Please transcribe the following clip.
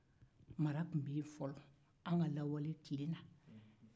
mara tun bɛ yen fɔlɔ